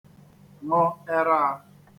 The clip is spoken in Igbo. ṅụ ẹraā